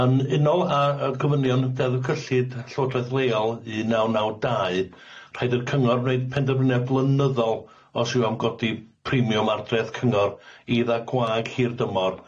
Yn unol â y gofynion deddf cyllid llywodraeth leol un naw naw dau rhaid i cyngor wneud penderfyniad blynyddol os yw am godi primiwm ar dreth cyngor 'iddo gwag hir dymor